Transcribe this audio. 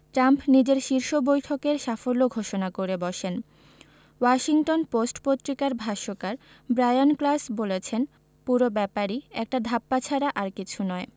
হয়ে ট্রাম্প নিজের শীর্ষ বৈঠকের সাফল্য ঘোষণা করে বসেন ওয়াশিংটন পোস্ট পত্রিকার ভাষ্যকার ব্রায়ান ক্লাস বলেছেন পুরো ব্যাপারই একটা ধাপ্পা ছাড়া আর কিছু নয়